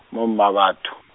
mo Mmabatho.